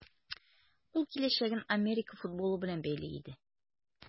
Ул киләчәген Америка футболы белән бәйли иде.